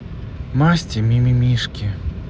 масти мимимишки